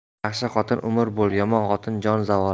yaxshi xotin umr boli yomon xotin jon zavoli